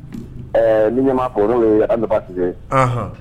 Min ɲɛmaa kɔrɔ ye antise